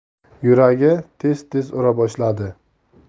yuragi tez tez ura boshladi